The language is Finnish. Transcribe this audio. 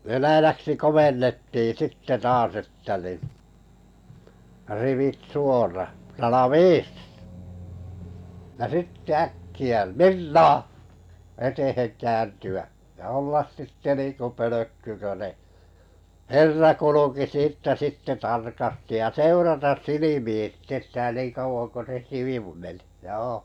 venäjäksi komennettiin sitten taas että niin rivit suora ralaviis ja sitten äkkiä mirnaa eteen kääntyä ja olla sitten niin kuin pölkky kun ne herra kulki siitä sitten tarkasti ja seurata silmiin sitten sitä niin kauan kuin se sivu meni joo